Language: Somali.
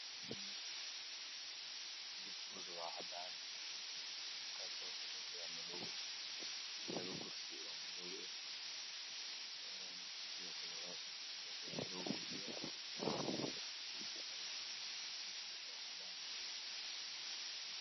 Waa cadaan qaybta hoosana waa cadaan io madow miiskana waa qaxwi dhulka waa qaxwi